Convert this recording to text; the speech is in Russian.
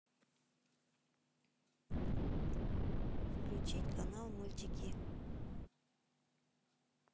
включить канал мультики